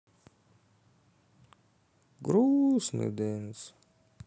грустный дэнс